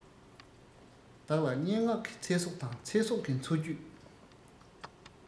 བདག ལ སྙན ངག གི ཚེ སྲོག དང ཚེ སྲོག གི འཚོ བཅུད